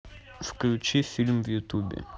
включи фильм в ютубе